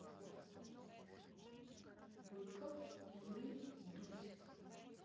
быков юрий дудь